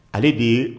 Ale de ye